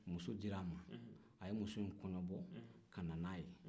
muso dira ma a ye muso in kɔɲɔbɔ ka na n'a ye